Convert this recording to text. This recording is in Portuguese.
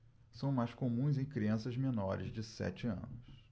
são mais comuns em crianças menores de sete anos